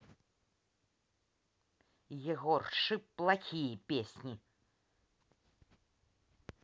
егор шип плохие песни